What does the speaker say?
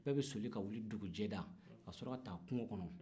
bɛɛ bɛ soli ka wili dugujɛda ka sɔrɔ ka taa kungo kɔnɔ